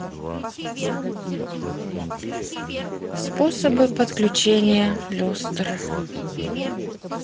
способы подключения люстр